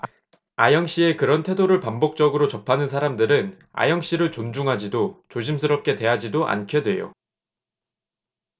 아영씨의 그런 태도를 반복적으로 접하는 사람들은 아영씨를 존중하지도 조심스럽게 대하지도 않게 돼요